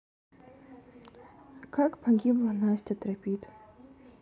как погибла настя тропит